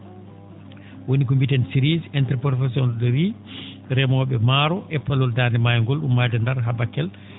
woni ko mbiiten cerise interprofession de riz remoo?e maaro e palol Daande Maayo ngol ummaade Ndar haa Bakel